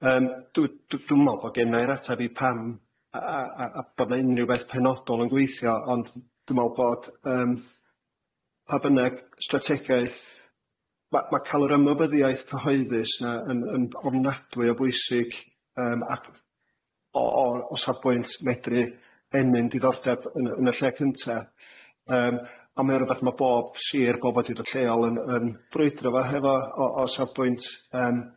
Yym dw- dw- dwi'n me'wl bo' gennai'r ateb i pam a- a- a- bo' 'na unrhyw beth penodol yn gweithio ond dwi'n me'wl bod yym pa bynnag strategaeth ma' ma' ca'l yr ymwybyddiaeth cyhoeddus yna yn yn ofnadwy o bwysig yym ac o o o safbwynt medru ennyn diddordeb yn y yn y lle cynta yym on' mae o rwbath ma' bob sir bob awdurdod lleol yn yn brwydro fo hefo o o safbwynt yym,